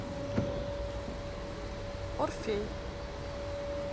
орфей